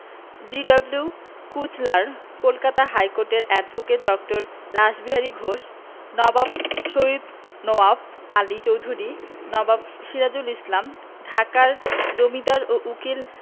G W Kuchler Kolkata হাইকোর্টের advocate Dr. Rashbehari Ghosh Nawab Syed Nawab Ali Chowdhury Nawab Sirajul Islam ঢাকার জমিদার ও উকিল